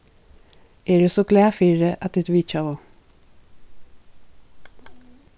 eg eri so glað fyri at tit vitjaðu